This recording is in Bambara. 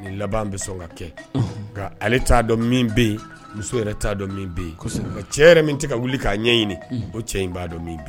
Ni laban bɛ sɔn ka kɛ ale t'a dɔn min bɛ yen muso yɛrɛ t'a dɔn bɛ yen cɛ min tɛ ka wuli k'a ɲɛɲini o cɛ in b'a dɔn min bɛ yen